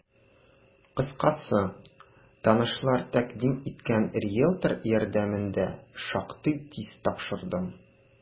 Кыскасы, танышлар тәкъдим иткән риелтор ярдәмендә шактый тиз тапшырдым.